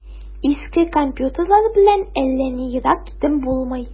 Иске компьютерлар белән әллә ни ерак китеп булмый.